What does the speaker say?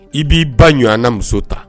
I b'i ba ɲɔana muso ta